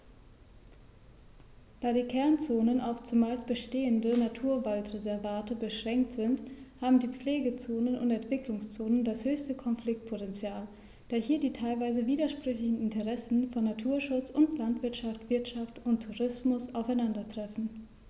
Da die Kernzonen auf – zumeist bestehende – Naturwaldreservate beschränkt sind, haben die Pflegezonen und Entwicklungszonen das höchste Konfliktpotential, da hier die teilweise widersprüchlichen Interessen von Naturschutz und Landwirtschaft, Wirtschaft und Tourismus aufeinandertreffen.